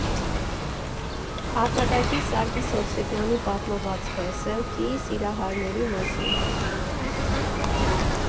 Արձակագիր Սարգիս Հովսեփյանի պատմվածքը՝ սելֆիի սիրահարների մասին։